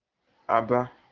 Àba